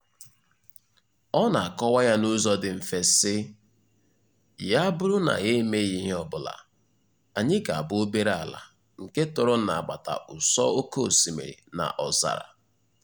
Ọ na-akọwa ya n’ụzọ dị mfe, sị: “Ya bụrụ na anyị emeghị ihe ọbụla, anyị ga-abụ obere ala nke tọrọ n’agbata ụsọ oké osimiri na ọzara.”